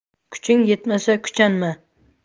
kuching yetmasa kuchanma